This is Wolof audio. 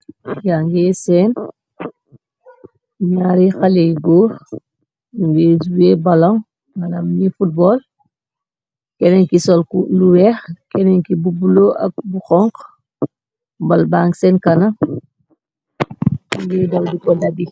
Ya ngi seen ñaari xaliy guur ngzwe balon nanam ni footbol kenenki sol lu weex kenenki bu bulo ak bu xonk bal bang seen kana ngiy dawdi ko dabi.